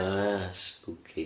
O ia, spooky.